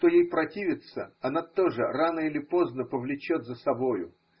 кто ей противится, она тоже рано или поздно повлечет за собою.